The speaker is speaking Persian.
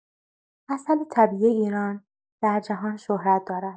عسل طبیعی ایران در جهان شهرت دارد.